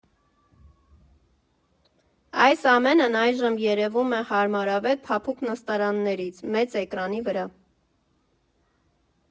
Այս ամենն այժմ երևում է հարմարավետ փափուկ նստարաններից՝ մեծ էկրանի վրա։